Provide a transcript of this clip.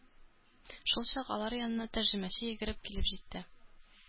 Шулчак алар янына тәрҗемәче йөгереп килеп җитте.